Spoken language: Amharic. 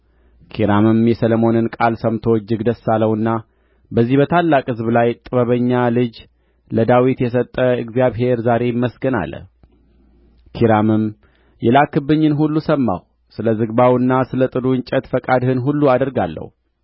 ኪራምም የሰሎሞንን ቃል ሰምቶ እጅግ ደስ አለውና በዚህ በታላቅ ሕዝብ ላይ ጥበበኛ ልጅ ለዳዊት የሰጠ እግዚአብሔር ዛሬ ይመስገን አለ ኪራምም የላክህብኝን ሁሉ ሰማሁ ስለ ዝግባውና ስለ ጥዱ እንጨት ፈቃድህን ሁሉ አደርጋለሁ